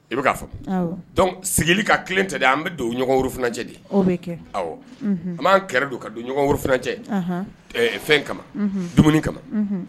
I bɛ'a fɔ sigi ka kelen tɛ de an bɛ don ɲɔgɔnfunɛjɛ de an b'an kɛlɛ don ka don ɲɔgɔnfcɛ fɛn kama dumuni kama